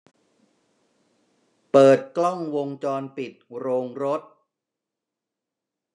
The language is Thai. เปิดกล้องวงจรปิดโรงรถ